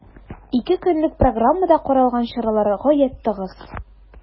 Ике көнлек программада каралган чаралар гаять тыгыз.